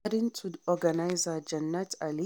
According to organizer Jannat Ali: